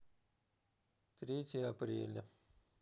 третье апреля